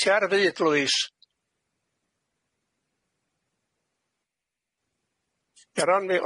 Ti ar y fyd, Lwys?